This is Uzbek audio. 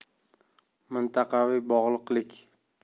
mintaqaviy bog'liqlik